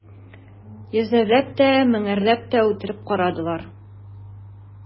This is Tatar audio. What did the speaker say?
Йөзәрләп тә, меңәрләп тә үтереп карадылар.